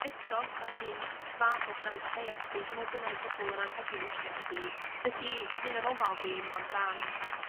Eto ma' hynny'n fath o self care 'di dwi me'wl dyna ma' pobol yn anghofio weithia' ydi dydi hunanofal ddim amdan